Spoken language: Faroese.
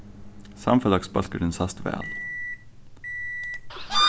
samfelagsbólkurin sæst væl